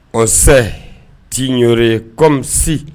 On sait d'ignorer comme si